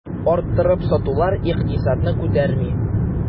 Арттырып сатулар икътисадны күтәрми.